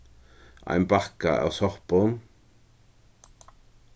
ein bakka av soppum